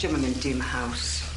'Di o'm yn mynd dim haws.